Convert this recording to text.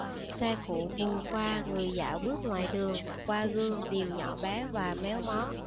xe cộ vù qua người dạo bước ngoài đường qua gương đều nhỏ bé và méo mó